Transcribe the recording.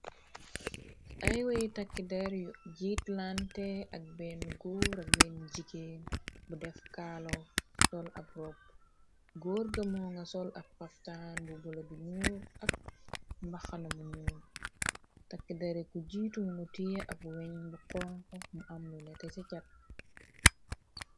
Ayway takkidar yu jiit lante ak benn góorak benn jigeen bu def kaalo tol ab rop góor gamo nga sol ab paptan bu bula bi ñuo ak mbaxana bu nu takkidare ku jiitu wu ngu tie ab weñ bu konxop mu amlune te ca cap.